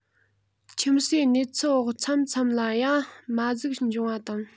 ཁྱིམ གསོས གནས ཚུལ འོག མཚམས མཚམས ལ ཡ མ གཟུགས འབྱུང བ དང